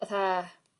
fatha